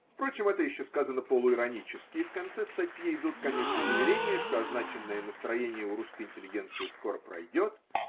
Впрочем, это еще сказано полуиронически, и в конце статьи идут, конечно, заверения, что означенное настроение у русской интеллигенции скоро прой дет.